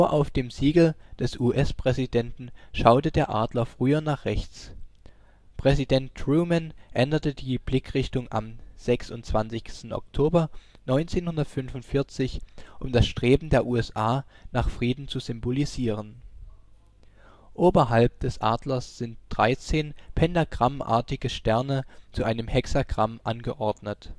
auf dem Siegel des US-Präsidenten schaute der Adler früher nach rechts. Präsident Truman änderte die Blickrichtung am 26. Oktober 1945, um das Streben der USA nach Frieden zu symbolisieren. Oberhalb des Adlers sind 13 pentagrammartige Sterne zu einem Hexagramm angeordnet